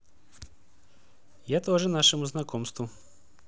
я тоже нашему знакомству